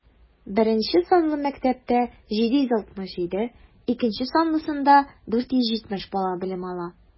Беренче санлы мәктәптә - 767, икенче санлысында 470 бала белем ала.